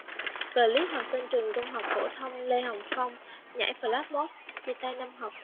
clip học sinh trường trung học phổ thông lê hồng phong nhảy flashmob chia tay năm học